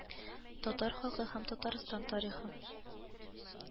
ТАТАР ХАЛКЫ ҺӘМ ТАТАРСТАН ТАРИХЫ